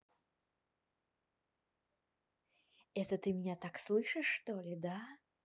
это ты меня так слышишь что ли да